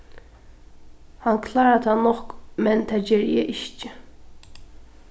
hann klárar tað nokk men tað geri eg ikki